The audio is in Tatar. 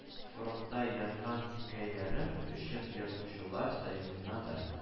Фронтта язган хикәяләрем өчен язучылар союзына да